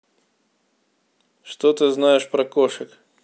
что ты знаешь про кошек